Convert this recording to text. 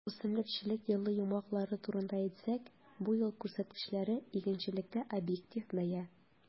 Үсемлекчелек елы йомгаклары турында әйтсәк, бу ел күрсәткечләре - игенчелеккә объектив бәя.